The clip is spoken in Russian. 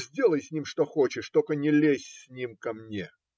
Сделай с ним, что хочешь, только не лезь с ним ко мне.